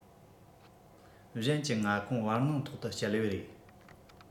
གཞན གྱི མངའ ཁོངས བར སྣང ཐོག ཏུ བསྐྱལ བའི རེད